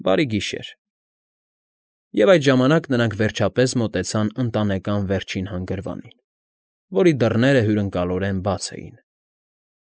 Բարի գիշեր։ Եվ այդ ժամանակ նրանք վերջապես մոտեցան Ընտանեկան Վերջին Հանգրվանին, որի դռները հյուրընկալորեն բաց էին։